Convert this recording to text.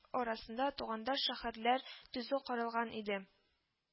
Арасында тугандаш шәһәрләр төзү каралган иде